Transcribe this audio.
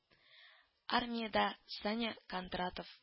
Армияда Саня Кондратов